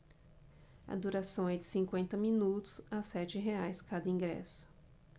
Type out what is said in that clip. a duração é de cinquenta minutos a sete reais cada ingresso